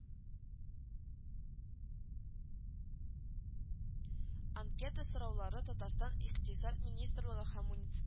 Анкета сораулары Татарстан Икътисад министрлыгы һәм